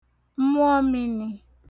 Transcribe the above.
mmụọmini